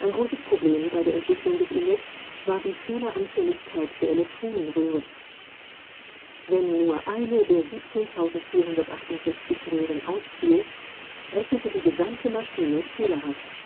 großes Problem bei der Entwicklung des ENIAC war die Fehleranfälligkeit der Elektronenröhren. Wenn nur eine der 17.468 Röhren ausfiel, rechnete die gesamte Maschine fehlerhaft